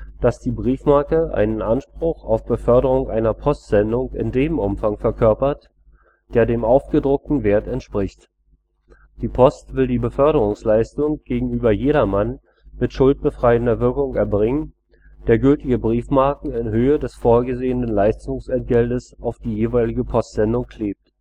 dass die Briefmarke einen Anspruch auf Beförderung einer Postsendung in dem Umfang verkörpert, der dem aufgedruckten Wert entspricht. Die Post will die Beförderungsleistung gegenüber jedermann mit schuldbefreiender Wirkung erbringen, der gültige Briefmarken in Höhe des vorgesehenen Leistungsentgelts auf die jeweilige Postsendung klebt